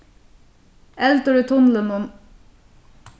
eldur í tunlinum